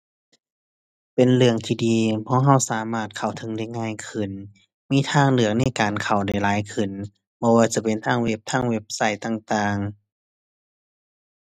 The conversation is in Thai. เป็นเรื่องที่ดีเพราะเราสามารถเข้าถึงได้ง่ายขึ้น มีทางเลือกในการเข้าได้หลายขึ้น บ่ว่าจะเป็นทางเว็บ ทางเว็บไซต์ต่างต่าง